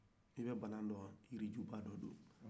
i bɛ bana dɔn wa jirijuba dɔ do